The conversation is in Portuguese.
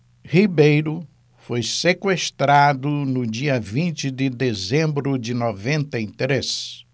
ribeiro foi sequestrado no dia vinte de dezembro de noventa e três